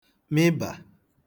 mịba